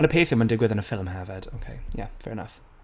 Ond y peth yw mae'n, digwydd yn y ffilm hefyd. OK, yeah, fair enough.